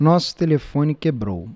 nosso telefone quebrou